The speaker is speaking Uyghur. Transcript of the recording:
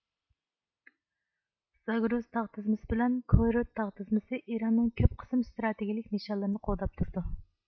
زاگرۇس تاغ تىزمىسى بىلەن كۇھرۇد تاغ تىزمىسى ئىراننىڭ كۆپ قىسىم ستراتېگىيىلىك نىشانلىرىنى قوغداپ تۇرىدۇ